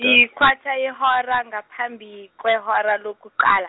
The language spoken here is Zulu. yikwatha yehora ngaphambi kwehora lokuqala.